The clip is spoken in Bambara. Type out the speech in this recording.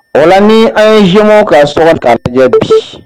Ola ni an ye jɛmanw ka sɔngɔn ka tigɛ ciii.